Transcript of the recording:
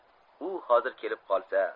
u hozir kelib qolsa